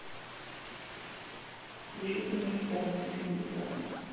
включи сумерки полностью фильм бесплатно